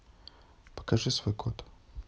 покажи свой код